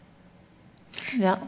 ja.